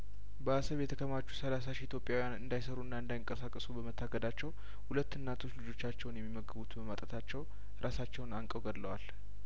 በአሰብ የተከማቹ ሰላሳ ሺ ኢትዮጵያውያን እንዳይሰሩና እንዳይንቀሳቀሱ በመታገዳቸው ሁለት እናቶች ልጆቻቸውን የሚመግቡት በማጣታቸው ራሳቸውን አንቀው ገለዋል